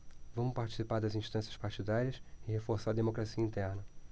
vamos participar das instâncias partidárias e reforçar a democracia interna